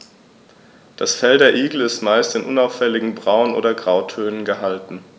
Das Fell der Igel ist meist in unauffälligen Braun- oder Grautönen gehalten.